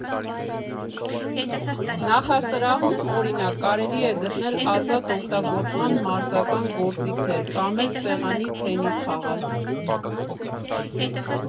Նախասրահում, օրինակ, կարելի է գտնել ազատ օգտագործամ մարզական գործիքներ կամ էլ սեղանի թենիս խաղալ։